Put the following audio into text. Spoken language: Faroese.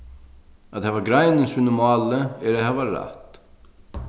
at hava grein í sínum máli er at hava rætt